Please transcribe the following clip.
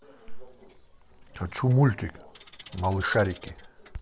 хочу мультик малышарики